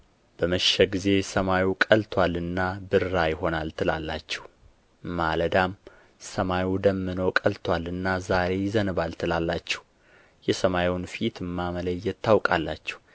በመሸ ጊዜ ሰማዩ ቀልቶአልና ብራ ይሆናል ትላላችሁ ማለዳም ሰማዩ ደምኖ ቀልቶአልና ዛሬ ይዘንባል ትላላችሁ የሰማዩን ፊትማ መለየት ታውቃላችሁ